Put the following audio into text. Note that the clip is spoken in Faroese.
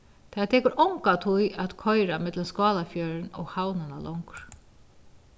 tað tekur onga tíð at koyra millum skálafjørðin og havnina longur